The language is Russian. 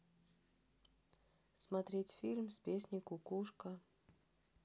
смотреть фильм с песней кукушка